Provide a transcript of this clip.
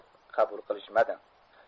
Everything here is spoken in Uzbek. qabul qilishmadi